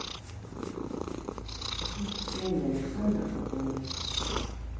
выступление александры поповой